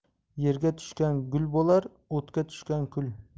yerga tushgan gul bo'lar o'tga tushgan kul